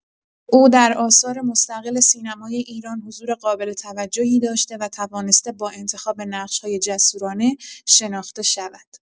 او در آثار مستقل سینمای ایران حضور قابل توجهی داشته و توانسته با انتخاب نقش‌های جسورانه شناخته شود.